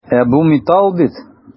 Ә бу металл бит!